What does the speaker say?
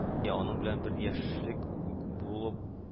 Я аның белән бер яшлек булып